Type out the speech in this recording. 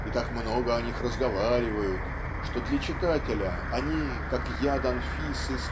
и так много о них разговаривают что для читателя они как яд Анфисы